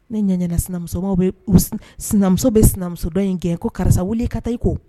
Ne ɲɛna sinamusomanw bɛ . Sinamuso bɛ sinamuso dɔ in gɛn ko karisa wuli ka taa i ko.